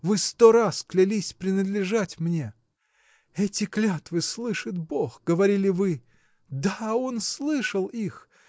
вы сто раз клялись принадлежать мне Эти клятвы слышит бог! – говорили вы. Да, он слышал их!